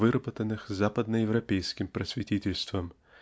выработанных западно-европейским просветительством